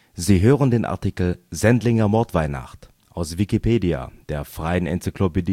Sie hören den Artikel Sendlinger Mordweihnacht, aus Wikipedia, der freien Enzyklopädie